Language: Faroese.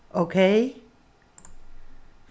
ókey